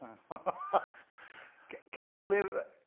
Cer nôl i'r...